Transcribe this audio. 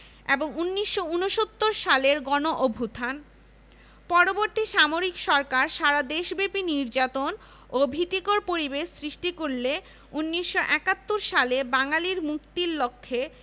ফলে তখন ঢাকা কলেজ ও জগন্নাথ কলেজে শুধু ইন্টারমিডিয়েট পর্যায়ের ছাত্রদের শিক্ষাদান অব্যাহত থাকে এর ফলে বিশ্ববিদ্যালয়ে প্রাথমিক পর্যায়ে ছাত্র সমস্যার সমাধান হয়